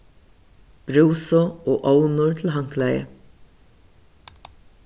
brúsu og ovnur til handklæði